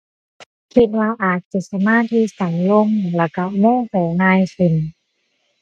คิดว่าอาจจะสมาธิสั้นลง แล้วก็โมโหง่ายขึ้น